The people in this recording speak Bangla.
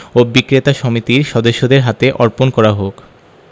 ও বিক্রেতা সমিতির সদস্যদের হাতে অর্পণ করা হোক